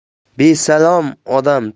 besalom odam to'ng